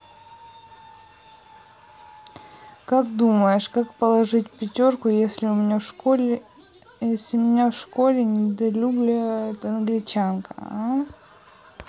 как думаешь как положить пятерку если у меня в школе недолюбливает англичанка